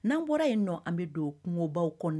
N'an bɔra yen nɔ an bɛ don kungobaw kɔn